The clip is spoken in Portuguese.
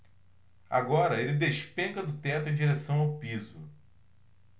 agora ele despenca do teto em direção ao piso